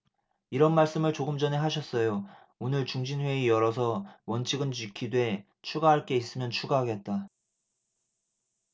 이런 말씀을 조금 전에 하셨어요 오늘 중진회의 열어서 원칙은 지키되 추가할 게 있으면 추가하겠다